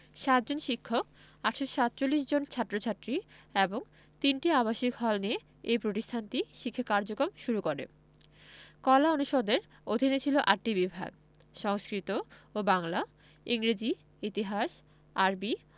৬০ জন শিক্ষক ৮৪৭ জন ছাত্র ছাত্রী এবং ৩টি আবাসিক হল নিয়ে এ প্রতিষ্ঠানটি শিক্ষা কার্যকম শুরু করে কলা অনুষদের অধীনে ছিল ৮টি বিভাগ সংস্কৃত ও বাংলা ইংরেজি ইতিহাস আরবি